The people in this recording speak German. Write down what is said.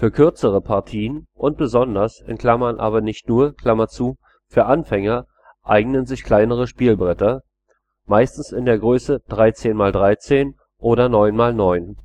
kürzere Partien und besonders (aber nicht nur) für Anfänger eignen sich kleinere Spielbretter, meistens in der Größe 13×13 oder 9×9